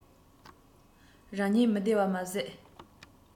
རང ཉིད མི བདེ བ མ ཟད